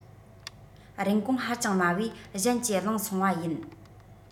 རིན གོང ཧ ཅང དམའ བོས གཞན གྱིས བླངས སོང བ ཡིན